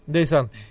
ndeysaan